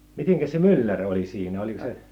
mitenkäs se mylläri oli siinä oliko se